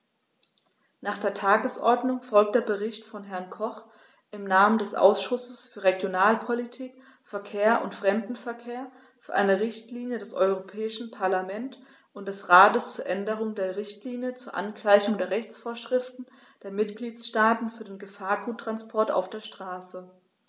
Nach der Tagesordnung folgt der Bericht von Herrn Koch im Namen des Ausschusses für Regionalpolitik, Verkehr und Fremdenverkehr für eine Richtlinie des Europäischen Parlament und des Rates zur Änderung der Richtlinie zur Angleichung der Rechtsvorschriften der Mitgliedstaaten für den Gefahrguttransport auf der Straße.